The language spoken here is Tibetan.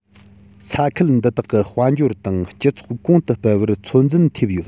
ས ཁུལ འདི དག གི དཔལ འབྱོར དང སྤྱི ཚོགས གོང དུ སྤེལ བར ཚོད འཛིན ཐེབས ཡོད